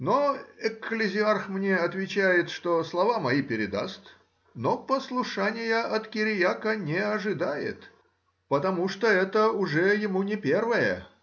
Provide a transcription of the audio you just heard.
Но экклезиарх мне отвечает, что слова мои передаст, но послушания от Кириака не ожидает, потому что это уже ему не первое